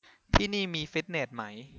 ที่นี่มีฟิตเนสไหม